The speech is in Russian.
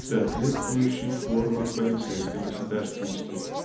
соответствующей формам полицейской государственности.